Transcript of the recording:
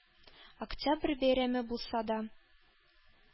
Октябрь бәйрәме булса да